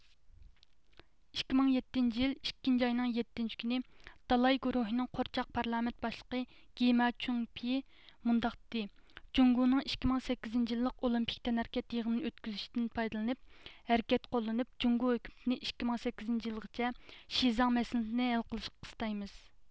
ئىككى مىڭ يەتتىنچى يىل ئىككىنچى ئاينىڭ يەتتىنچى كۈنى دالاي گۇرۇھىنىڭ قورچاق پارلامېنت باشلىقى گېماچۈڭپېي مۇنداق دېدى جۇڭگونىڭ ئىككى مىڭ سەككىزىنچى يىللىق ئولىمپىك تەنھەركەت يېغىنىنى ئۆتكۈزۈشىدىن پايدىلىنىپ ھەرىكەت قوللىنىپ جۇڭگو ھۆكۈمىتىنى ئىككى مىڭ سەككىزىنچى يىلغىچە شىزاڭ مەسىلىسىنى ھەل قىلىشقا قىستايمىز